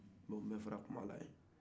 n bɛ bɔ kumana yan